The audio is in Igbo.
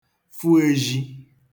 fụ ēzhī